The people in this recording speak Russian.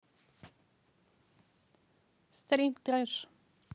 стрим треш